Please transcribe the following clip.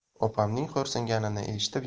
opamning xo'rsinganini eshitib